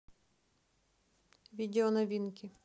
видео новинки